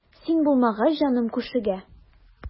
Син булмагач җаным күшегә.